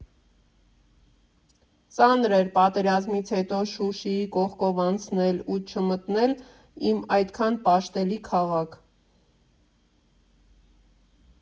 Ծանր էր պատերազմից հետո Շուշիի կողքով անցնել ու չմտնել իմ այդքան պաշտելի քաղաք …